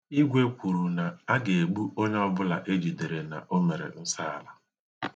Igwe kwuru na a ga-egbu onye ọbụla e jidere na o mere nsọala.